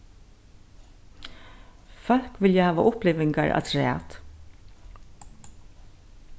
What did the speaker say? fólk vilja hava upplivingar afturat